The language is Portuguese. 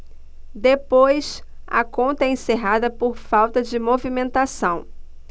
depois a conta é encerrada por falta de movimentação